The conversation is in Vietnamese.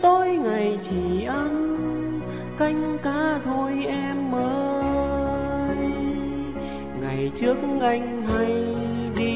tối ngày chỉ ăn canh cá thôi em ơi ngày trước anh hay đi quất lâm